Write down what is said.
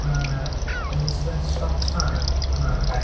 Mae 'na Elizabeth Scott Palmer, a ma' 'na Bet.